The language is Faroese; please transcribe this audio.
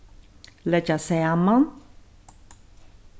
leggja saman